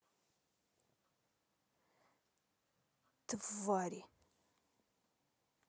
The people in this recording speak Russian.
твари